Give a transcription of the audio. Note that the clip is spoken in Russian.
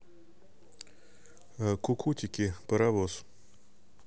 кукутики паровоз